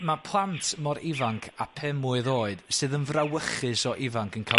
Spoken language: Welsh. ma' plant mor ifanc â pum mlwydd oed, sydd yn frawychus o ifanc, yn ca'l